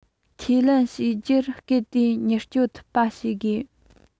ཁས ལེན བྱེད རྒྱུར སྐབས དེའི མྱུར སྐྱོབ ཐུབ པ བྱེད དགོས